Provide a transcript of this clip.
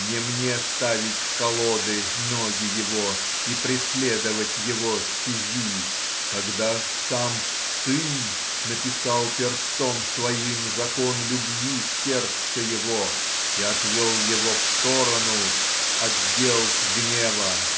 Не мне ставить в колоды ноги его и преследовать его стези, когда сам Сый написал перстом своим закон любви в сердце его и отвел его в сторону от дел гнева.